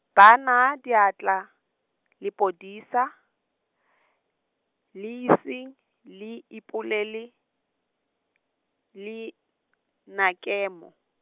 bana diatla, lepodisa , le ise, le ipolele, leinakemo.